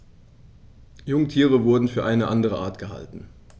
Jungtiere wurden für eine andere Art gehalten.